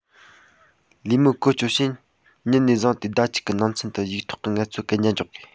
ལས མི བཀོལ སྤྱོད བྱེད ཉིན ནས བཟུང སྟེ ཟླ གཅིག གི ནང ཚུན དུ ཡིག ཐོག གི ངལ རྩོལ གན རྒྱ འཇོག དགོས